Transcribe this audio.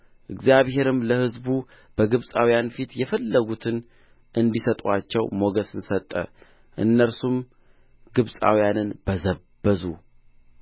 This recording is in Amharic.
እግዚአብሔርም ለሕዝቡ በግብፃውያን ፊት የፈለጉትን እንዲሰጡአቸው ሞገስን ሰጠ እነርሱም ግብፃውያንን በዘበዙ